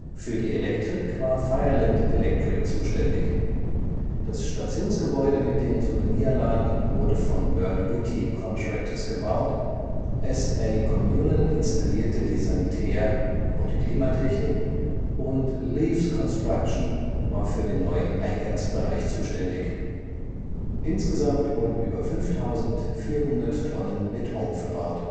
Für die Elektrik war Fireland Electric zuständig. Das Stationsgebäude mit dem Souvenirladen wurde von Bert Witte Contractors gebaut, S. A. Comunal installierte die Sanitär - und Klimatechnik und Lew’ s Construction war für den neuen Eingangsbereich zuständig. Insgesamt wurden über 5400 Tonnen Beton verbaut